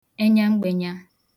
enyam̀gbenyā